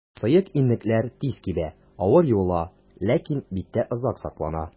Сыек иннекләр тиз кибә, авыр юыла, ләкин биттә озак саклана.